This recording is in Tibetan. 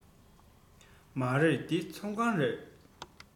མ རེད འདི ཚོང ཁང རེད